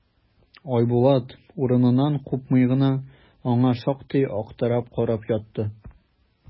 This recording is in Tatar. Айбулат, урыныннан купмый гына, аңа шактый аптырап карап ятты.